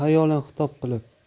xayolan xitob qilib